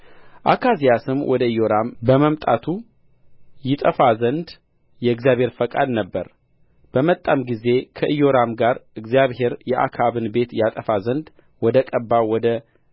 አካዝያስም ወደ ኢዮራም በመምጣቱ ይጠፋ ዘንድ የእግዚአብሔር ፈቃድ ነበረ በመጣም ጊዜ ከኢዮራም ጋር እግዚአብሔር የአክዓብን ቤት ያጠፋ ዘንድ ወደ ቀባው ወደ